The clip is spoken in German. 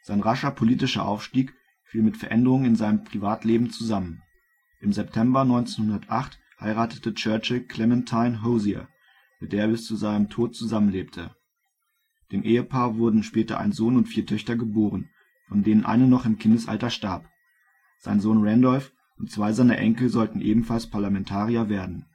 rascher politischer Aufstieg fiel mit Veränderungen in seinem Privatleben zusammen: Im September 1908 heiratete Churchill Clementine Hozier, mit der er bis zu seinem Tod zusammenlebte. Dem Ehepaar wurden später ein Sohn und vier Töchter geboren, von denen eine noch im Kindesalter starb. Sein Sohn Randolph und zwei seiner Enkel sollten ebenfalls Parlamentarier werden